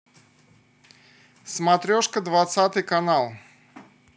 смотрешка двадцатый канал